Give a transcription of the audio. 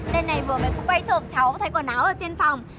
tên này vừa mới quay trộm cháu thay quần áo ở trên phòng